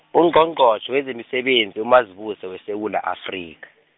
Ungqongqotjhe, wezemisebenzi, uMazibuse weSewula Afrika.